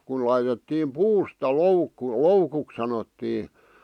kun laitettiin puusta loukku loukuksi sanottiin